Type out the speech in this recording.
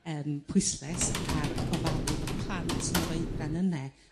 yrm pwysles ar ofalu bo' plant yn yr oedran yne